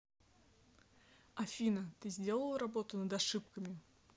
афина ты сделал работу над ошибками